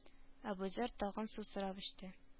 Әбүзәр тагын су сорап эчте